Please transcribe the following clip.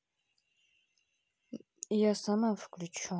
я сам включу